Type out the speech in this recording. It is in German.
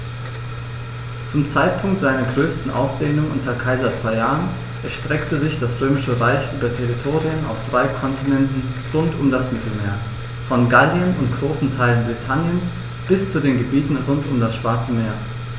Zum Zeitpunkt seiner größten Ausdehnung unter Kaiser Trajan erstreckte sich das Römische Reich über Territorien auf drei Kontinenten rund um das Mittelmeer: Von Gallien und großen Teilen Britanniens bis zu den Gebieten rund um das Schwarze Meer.